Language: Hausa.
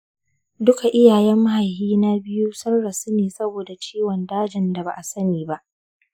duka iyayen mahaifina biyu sun rasu ne saboda ciwon dajin da ba'a sani ba